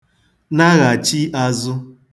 naghàchi āzụ̄